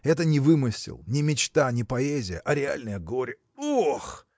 это не вымысел, не мечта, не поэзия, а реальное горе. Ох!